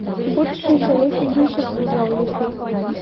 Бу төшенчәне сез ничек күзаллыйсыз?